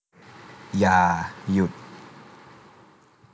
อย่าหยุด